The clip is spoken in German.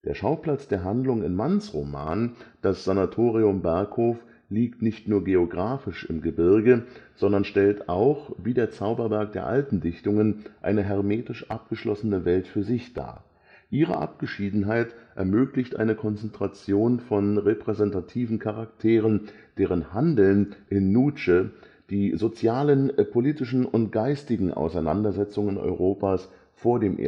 Schauplatz der Handlung in Manns Roman, das Sanatorium Berghof, liegt nicht nur geographisch im Gebirge, sondern stellt auch, wie der Zauberberg der alten Dichtungen, eine „ hermetisch “abgeschlossene Welt für sich dar. Ihre Abgeschiedenheit ermöglicht eine Konzentration von repräsentativen Charakteren, deren Handeln in nuce die sozialen, politischen und geistigen Auseinandersetzungen Europas vor dem